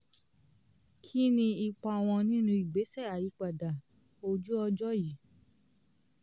Kínni ipa wọn nínú ìgbésẹ̀ àyípadà ojú-ọjọ́ yìí?